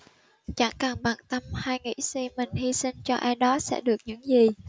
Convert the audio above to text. chẳng cần bận tâm hay nghĩ suy mình hy sinh cho ai đó sẽ được những gì